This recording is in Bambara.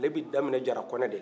ale bɛ daminɛ jara konɛ de la